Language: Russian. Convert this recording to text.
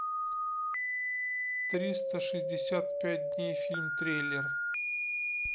триста шестьдесят пять дней фильм трейлер